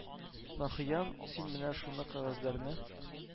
Мәхьян, син менә шушы кәгазьләрне